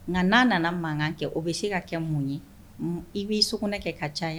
Nka n'a nana mankan kɛ o bɛ se ka kɛ mun ye i b'i sokɔnɔ kɛ ka ca ye